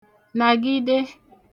nàgide